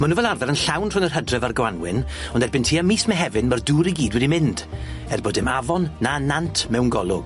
Ma' n'w fel arfer yn llawn rhwng yr Hydref a'r Gwanwyn ond erbyn tua mis Mehefin ma'r dŵr i gyd wedi mynd er bod dim afon na nant mewn golwg.